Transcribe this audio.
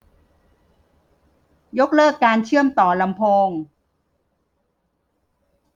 ยกเลิกการเชื่อมต่อลำโพง